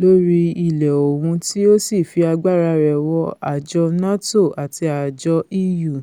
lóri ilẹ̀ òun tí ó sì fi agbára rẹ̀ wọ àjọ NATO àti àjọ EU.